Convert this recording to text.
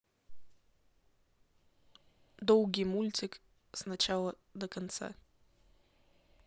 долгий мультик с начала до конца